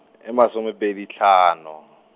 e masomepedi tlhano.